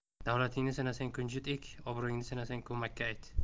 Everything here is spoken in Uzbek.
davlatingni sinasang kunjut ek obro'yingni sinasang ko'makka ayt